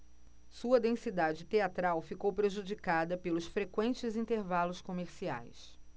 sua densidade teatral ficou prejudicada pelos frequentes intervalos comerciais